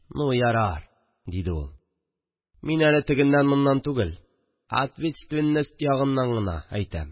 – ну, ярар, – диде ул, – мин әле тегеннән-моннан түгел, әтвитственность ягыннан гына әйтәм